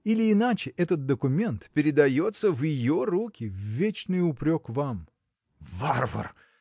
Или иначе этот документ передастся в ее руки, в вечный упрек вам. – Варвар!